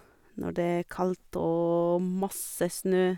Når det er kaldt og masse snø.